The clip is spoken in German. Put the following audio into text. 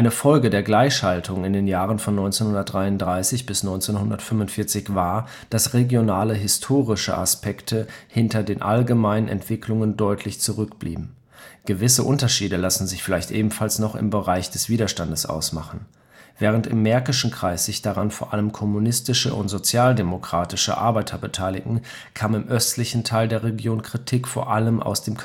Folge der Gleichschaltung in den Jahren von 1933 bis 1945 war, dass regionale historische Aspekte hinter den allgemeinen Entwicklungen deutlich zurückblieben. Gewisse Unterschiede lassen sich vielleicht allenfalls noch im Bereich des Widerstandes ausmachen. Während im märkischen Kreis sich daran vor allem kommunistische und sozialdemokratische Arbeiter beteiligten, kam im östlichen Teil der Region Kritik vor allem aus dem